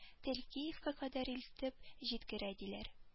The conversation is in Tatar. Тел киевка кадәр илтеп җиткерә диләр